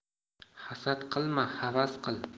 hasad qilma havas qil